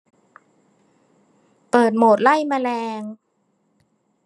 เปิดโหมดไล่แมลง